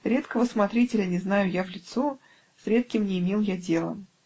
редкого смотрителя не знаю я в лицо, с редким не имел я дела